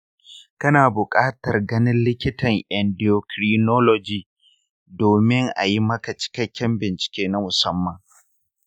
kana buƙatar ganin likitan endocrinology domin a yi maka cikakken bincike na musamman.